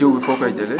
jiw bi foo koy jëlee